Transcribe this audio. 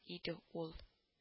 Иде ул